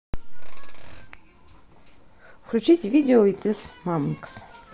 включить видео итс мамикс